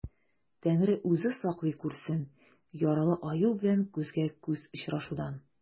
Тәңре үзе саклый күрсен яралы аю белән күзгә-күз очрашудан.